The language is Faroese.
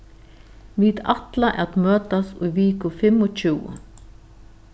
vit ætla at møtast í viku fimmogtjúgu